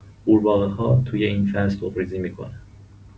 قورباغه‌ها توی این فصل تخم‌ریزی می‌کنن!